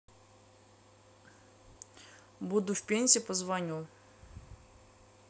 буду в пензе позвоню